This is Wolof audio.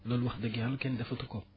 loolu wax dëgg Yàlla kenn defatu ko